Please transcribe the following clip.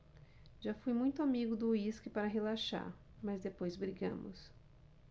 já fui muito amigo do uísque para relaxar mas depois brigamos